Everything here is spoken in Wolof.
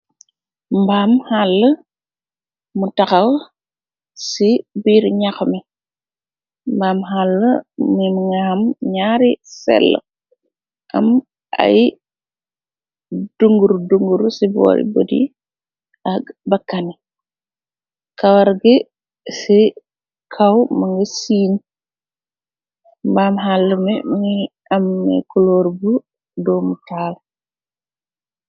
Mbaam xalla mu taxaw ci biir ñax mi. Mbaam xalla mi nga am ñaari sell am ay dungur dungur ci boori botti ak bakkan. Kawar gi ci kaw mëgi siiñ. Mbaam xalla mi mi amme kulóor bu doomu taal.